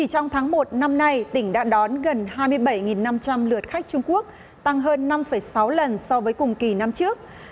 chỉ trong tháng một năm nay tỉnh đã đón gần hai mươi bảy nghìn năm trăm lượt khách trung quốc tăng hơn năm phẩy sáu lần so với cùng kỳ năm trước